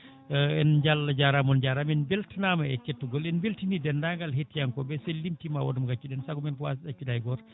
Allah jarama on jarama on beltanama e kettugol en beltani dendagal hetti yankoɓe sen limti ma wood mo gaccuɗen saago men ko wasde ɗaccude hay goto